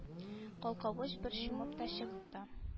Калкавыч бер чумып та чыкты